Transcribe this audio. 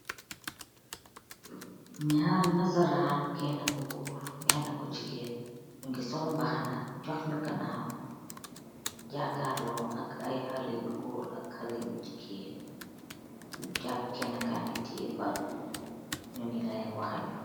Nyaari nazaraan, kenna ko góor benna ko jigeen yu ngi sol mbaxa, jox ñu ganaaw jaakaar loo ak ay xale yu góor ak xale yu jigeen yu jàpp kenna ka ngi tiye bal ñu ngi waxaño.